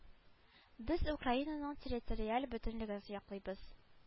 Без украинаның территориаль бөтенлеген яклыйбыз